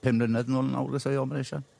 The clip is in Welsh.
pum mlynedd nôl nawr gesai operation.